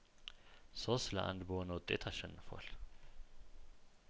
ሶስት ለአንድ በሆነ ውጤት አሸንፏል